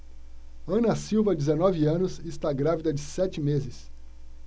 ana silva dezenove anos está grávida de sete meses